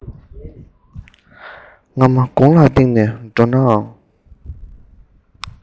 རྔ མ དགུང ལ བཏེགས ནས འགྲོ ནའང